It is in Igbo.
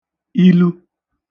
ilu